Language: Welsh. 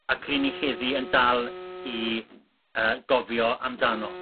ac ry' ni heddi yn dal i yy gofio amdano